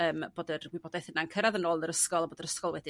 yym bod yr wybodaeth yna'n cyrraedd yn ôl yr ysgol a bod yr ysgol wedyn